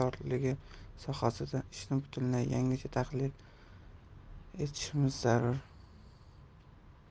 ijodkorligi sohasida ishni butunlay yangicha tashkil etishimiz zarur